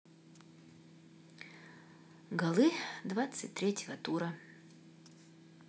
голы двадцать третьего тура